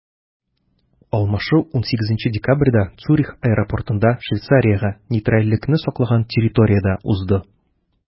Алмашу 18 декабрьдә Цюрих аэропортында, Швейцариягә нейтральлекне саклаган территориядә узды.